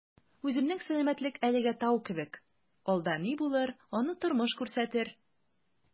Үземнең сәламәтлек әлегә «тау» кебек, алда ни булыр - аны тормыш күрсәтер...